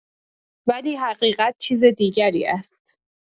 ولی حقیقت چیز دیگری است.